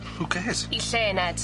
Who cares? I lle, Ned?